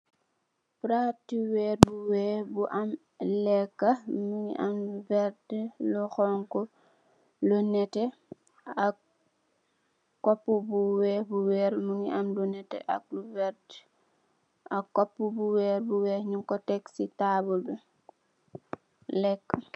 Palaati weer bu weeh bu am leka, mungi am verta, lu xonxu, lu nete, ak kopu bu weeh bu weer mungi am lu nete, ak lu vert, ak kopu bu weer bu weeh nyungko tek si taabul bi.